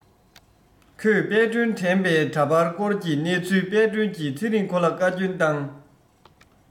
ཁོས དཔལ སྒྲོན དྲན པའི འདྲ པར བསྐོར གྱི གནས ཚུལ དཔལ སྒྲོན གྱི ཚེ རིང ཁོ ལ བཀའ བསྐྱོན བཏང